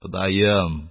- ходаем,